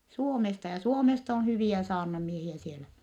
Suomesta ja Suomesta on hyviä saarnamiehiä siellä